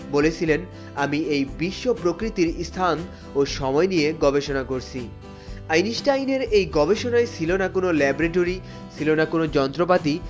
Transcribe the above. বলেছিলেন আমি এই বিশ্ব প্রকৃতির স্থান ও সময় নিয়ে গবেষণা করছি আইনস্টাইনের এ গবেষণায় ছিলনা কোন ল্যাবরেটরি ছিল না কোন যন্ত্রপাতি